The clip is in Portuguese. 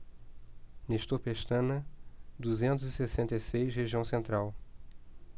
nestor pestana duzentos e sessenta e seis região central